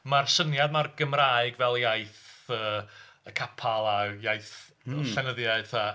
Mae'r syniad 'ma o'r Gymraeg fel iaith y capel a iaith llenyddiaeth a...